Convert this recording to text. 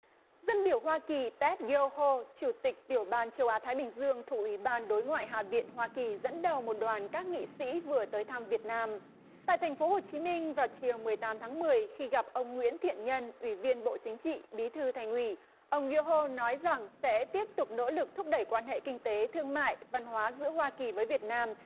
dân biểu hoa kỳ tét giô hô chủ tịch tiểu ban châu á thái bình dương thủ ủy ban đối ngoại hạ viện hoa kỳ dẫn đầu một đoàn các nghị sĩ vừa tới thăm việt nam tại thành phố hồ chí minh vào chiều mười tám tháng mười khi gặp ông nguyễn thiện nhân ủy viên bộ chính trị bí thư thành ủy ông giô hô nói rằng sẽ tiếp tục nỗ lực thúc đẩy quan hệ kinh tế thương mại văn hóa giữa hoa kỳ với việt nam